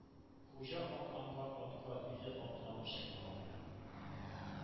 Хуҗа атланган атка үзе атланып чыккан.